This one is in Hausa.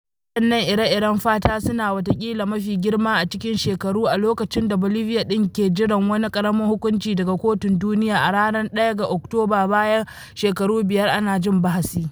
Waɗannan ire-iren fata suna watakila mafi girma a cikin shekaru, a lokacin da Bolivia din ke jiran wani ƙaramin hukunci daga kotun duniya a ranar 1 ga Oktoba bayan shekaru biyar ana jin bahasi.